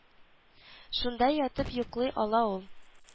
Шунда ятып йоклый ала ул